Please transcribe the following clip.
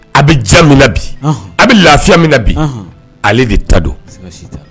A bɛ ja min na bi a bɛ lafiya min na bi ale de ta don